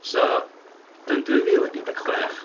So, yn dwy fil a un deg chwech,